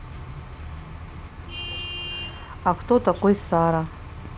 а кто такой сара